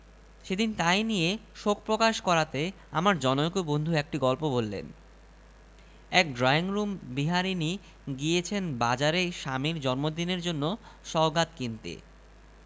কিন্তু দেশের অপমান আপনাকে দংশন করবে বহুদিন ধরে আঁদ্রে জিদের মেলা বন্ধুবান্ধব ছিলেন অধিকাংশই নামকরা লেখক জিদ রুশিয়া থেকে ফিরে এসে